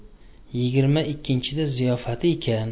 yigirma ikkinchida ziyofati ekan